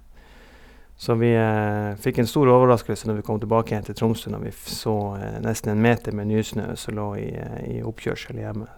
Så vi fikk en stor overraskelse når vi kom tilbake igjen til Tromsø når vi f så nesten en meter med nysnø som lå i i oppkjørselen hjemme.